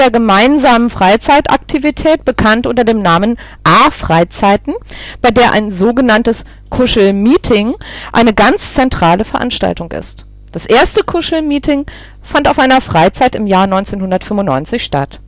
gemeinsamen Freizeitaktivität bekannt unter dem Namen A-Freizeiten, bei der ein sogenanntes Kuschelmeeting eine ganz zentrale Veranstaltung ist. Das erste Kuschelmeeting fand auf einer Freizeit im Jahr 1995 statt